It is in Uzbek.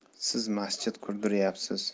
siz masjid qurdiryapsiz